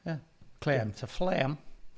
Ie claim to flame.